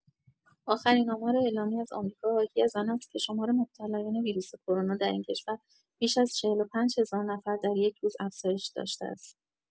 آخرین آمار اعلامی از آمریکا حاکی‌از آن است که شمار مبتلایان ویروس کرونا در این کشور بیش از چهل‌وپنج هزار نفر در یک روز افزایش داشته است.